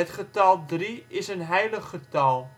getal 3 is een " heilig " getal